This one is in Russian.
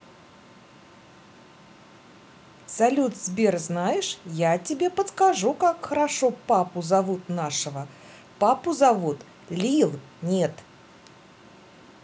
салют сбер знаешь я тебе подскажу как хорошо папу зовут нашего папу зовут lil нет